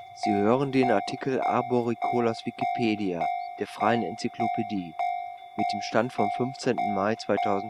Sie hören den Artikel Arboricol, aus Wikipedia, der freien Enzyklopädie. Mit dem Stand vom Der